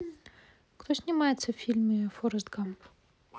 кто снимается в фильме форрест гамп